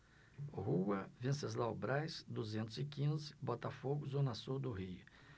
rua venceslau braz duzentos e quinze botafogo zona sul do rio